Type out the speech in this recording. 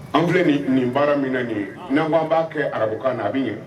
An filɛ nin nin baara minna nin ye ɔnh n'an kɔ an b'a kɛ radio kan na a bi ɲɛ